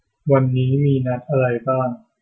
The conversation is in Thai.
วันนี้มีนัดอะไรบ้าง